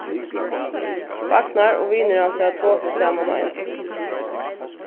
vagnar og vinir hansara tosa saman á enskum